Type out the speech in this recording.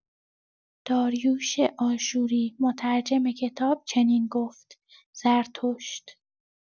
داریوش آشوری، مترجم کتاب چنین گفت زرتشت